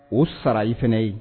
O sara i fana ye